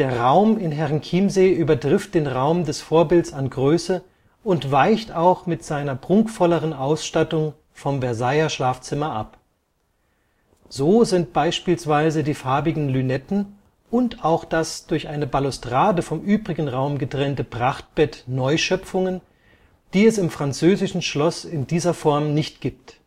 Raum in Herrenchiemsee übertrifft den Raum des Vorbilds an Größe und weicht auch mit seiner prunkvolleren Ausstattung vom Versailler Schlafzimmer ab. So sind beispielsweise die farbigen Lünetten und auch das durch eine Balustrade vom übrigen Raum getrennte Prachtbett Neuschöpfungen, die es im französischen Schloss in dieser Form nicht gibt